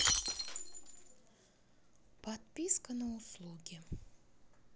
подписка на услуги